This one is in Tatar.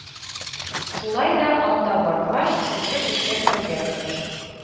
Шулай да, анда баргач, шушы эшкә керергә тырыш